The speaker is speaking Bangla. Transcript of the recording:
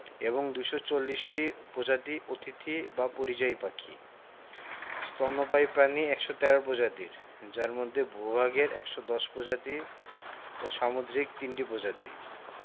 এবং ২৪০ টি প্রজাতি অতিথি বা পরিযায়ী পাখি স্তন্যপায়ী প্রাণী ১১৩ প্রজাতির যার মধ্যে ভূ ভাগের ১১০ প্রজাতি ও সামুদ্রিক ৩ টি প্রজাতি